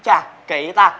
cha kì ta